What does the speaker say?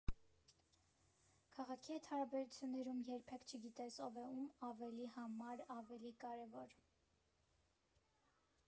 Քաղաքի հետ հարաբերություններում երբեք չգիտես ով է ում ավելի համար ավելի կարևոր։